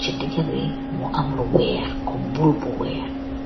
si dega bi mo amm lu wehh kom bull bu wehh.